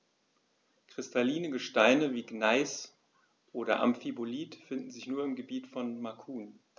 Kristalline Gesteine wie Gneis oder Amphibolit finden sich nur im Gebiet von Macun.